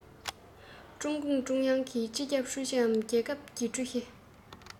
ཀྲུང གུང ཀྲུང དབྱང གི སྤྱི ཁྱབ ཧྲུའུ ཅིའམ རྒྱལ ཁབ ཀྱི ཀྲུའུ ཞི